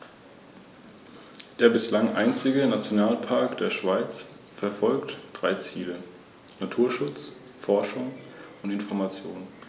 Sie dienen unter anderem als Ruhezonen für das Wild.